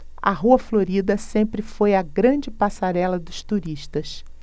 a rua florida sempre foi a grande passarela dos turistas